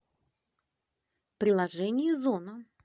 приложение зона